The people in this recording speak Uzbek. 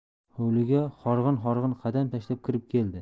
hovliga horg'in horg'in qadam tashlab kirib keldi